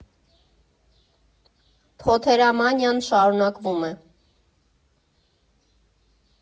Փոթերամանիան շարունակվում է.